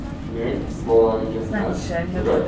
men bolaligimdan surat